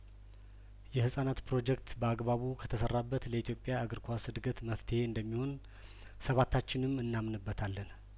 የህጻናት ፕሮጀክት በአግባቡ ከተሰራበት ለኢትዮጵያ እግር ኳስ እድገት መፍትሄ እንደሚሆን ሰባታችንም እናምንበታለን